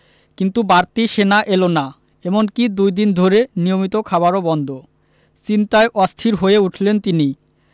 কিন্তু বাড়তি সেনা এলো না এমনকি দুই দিন ধরে নিয়মিত খাবারও বন্ধ চিন্তায় অস্থির হয়ে উঠলেন তিনি